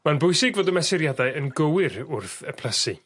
Ma'n bwysig fod y mesuriadau yn gywir wrth eplysu.